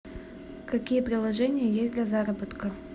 какие приложения есть для заработка